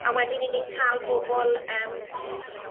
A wedyn 'y ni'n cael bobl yym...